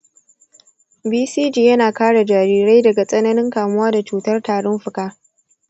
bcg yana kare jarirai daga tsananin kamuwa da cutar tarin fuka.